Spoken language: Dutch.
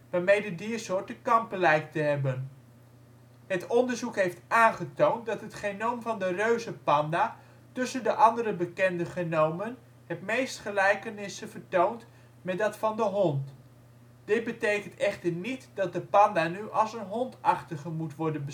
waarmee de diersoort te kampen lijkt te hebben. Het onderzoek heeft aangetoond dat het genoom van de reuzenpanda tussen de andere bekende genomen het meest gelijkenissen vertoont met dat van de hond. Dit betekent echter niet dat de panda nu als hondachtige moet worden